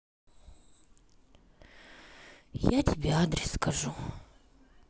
я тебе адрес скажу